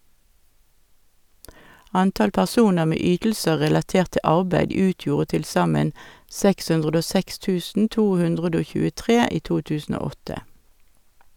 Antall personer med ytelser relatert til arbeid utgjorde tilsammen 606.223 i 2008.